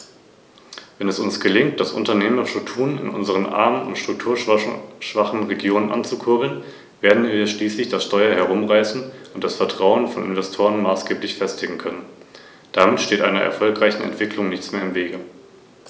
Das wird durch staatliche Maßnahmen ermöglicht, und eine solche Dezentralisation der höheren Ausbildung ist nachgerade eine sinnvolle Politik für eine ausgeglichene Entwicklung.